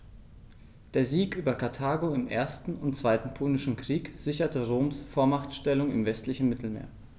Der Sieg über Karthago im 1. und 2. Punischen Krieg sicherte Roms Vormachtstellung im westlichen Mittelmeer.